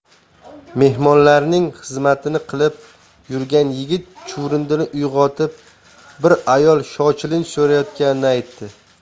mehmonlarning xizmatini qilib yurgan yigit chuvrindini uyg'otib bir ayol shoshilinch so'rayotganini aytdi